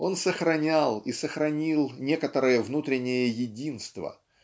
он сохранял и сохранил некоторое внутреннее единство